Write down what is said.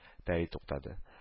Пәри туктады